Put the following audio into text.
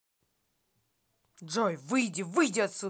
джой выйди выйди отсюда